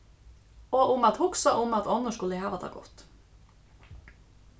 og um at hugsa um at onnur skulu hava tað gott